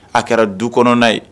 A kɛra du kɔnɔna ye